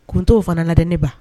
Kuntu o fana la tɛ ne ba